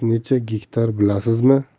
yeringiz necha gektar bilasizmi